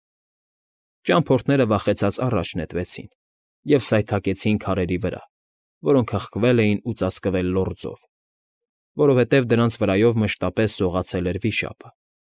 Ճամփորդները վախեցած առաջ նետվեցին և սայթաքեցին քարերի վրա, որոնք հղկվել էին ու ծածկվել լորձով, որովհետև դրանց վրայով մշտապես սողացել էր վիշապը։